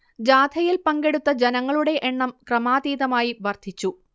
ജാഥയിൽ പങ്കെടുത്ത ജനങ്ങളുടെ എണ്ണം ക്രമാതീതമായി വർദ്ധിച്ചു